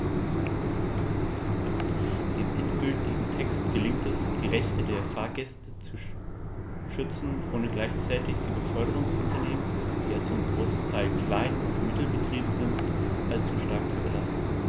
Dem endgültigen Text gelingt es, die Rechte der Fahrgäste zu schützen, ohne gleichzeitig die Beförderungsunternehmen - die ja zum Großteil Klein- und Mittelbetriebe sind - allzu stark zu belasten.